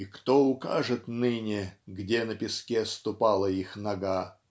И кто укажет ныне, Где на песке ступала их нога?